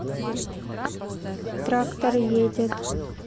трактор едет